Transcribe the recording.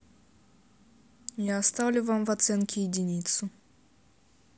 я оставлю вам в оценке единицу